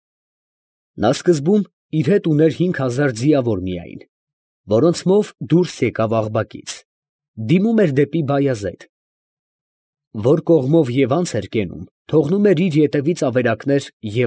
Նա սկզբում իր հետ ուներ հինգ հազար ձիավոր միայն, որոնցմով դուրս եկավ Աղբակից, դիմում էր դեպի Բայազեդ, որ կողմով և անց էր կենում, թողնում էր իր ետևից ավերակներ և։